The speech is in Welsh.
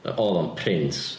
Oedd o'n prince.